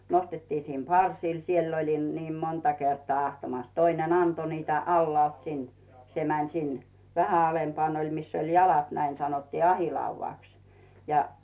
nostettiin sinne parsiin siellä - niin monta kertaa ahtamassa toinen antoi niitä alhaalta sinne se meni sinne vähän alempana oli missä oli jalat näin sanottiin ahdinlaudaksi ja